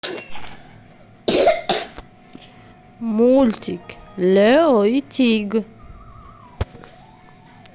мультик лео и тиг